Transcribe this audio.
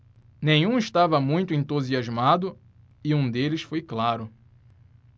nenhum estava muito entusiasmado e um deles foi claro